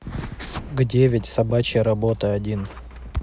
к девять собачья работа один